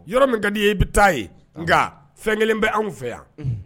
Yɔrɔ min ka di ye i bɛ taa ye nka fɛn kelen bɛ anw fɛ yan